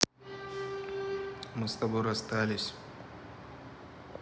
мы с тобой расстались